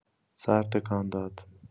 سر تکان داد.